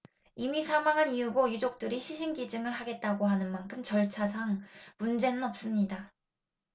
이미 사망한 이후고 유족들이 시신기증을 하겠다고 하는 만큼 절차상 문제는 없습니다